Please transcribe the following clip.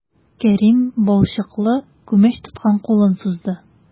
Кәрим балчыклы күмәч тоткан кулын сузды.